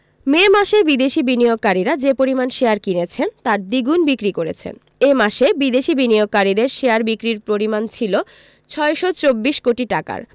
মে মাসে বিদেশি বিনিয়োগকারীরা যে পরিমাণ শেয়ার কিনেছেন তার দ্বিগুণ বিক্রি করেছেন এ মাসে বিদেশি বিনিয়োগকারীদের শেয়ার বিক্রির পরিমাণ ছিল ৬২৪ কোটি টাকার